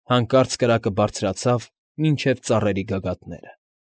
Հանկարծ կրակը բարձրացավ մինչև ծառերի գագաթները։